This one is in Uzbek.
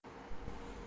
yig'lab yubordim